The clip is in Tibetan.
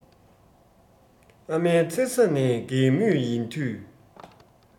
ཨ མའི མཚེར ས ནས རྒས མུས ཡིན དུས